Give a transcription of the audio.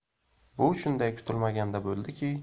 bu shunday kutilmaganda bo'ldiki